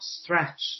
stretch